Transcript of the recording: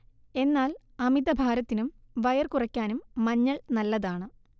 എന്നാൽ അമിതഭാരത്തിനും വയർ കുറക്കാനും മഞ്ഞൾ നല്ലതാണ്